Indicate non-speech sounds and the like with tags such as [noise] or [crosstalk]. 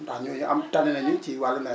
ndax ñoonu am tane [crosstalk] nañ ñu ci wàllu nawe